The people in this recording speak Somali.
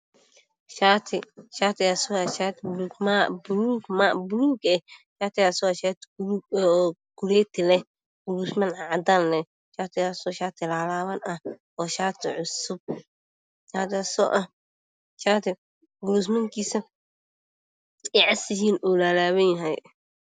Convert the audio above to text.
Waa shaati buluug ah oo kuleeti leh iyo kuluus cadaan ah, shaatiga waa laalaaban yahay.